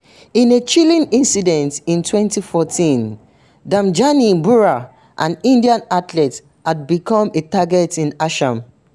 In a chilling incident in 2014, Debjani Bora, an Indian athlete had become a target in Assam.